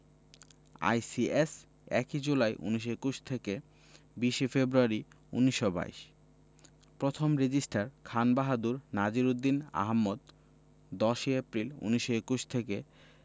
ICS ১ ই July ১৯২১ থেকে ২০ February ১৯২২ প্রথম রেজিস্ট্রার খানবাহাদুর নাজির উদ্দিন আহমদ ১০ এপ্রিল ১৯২১ থেকে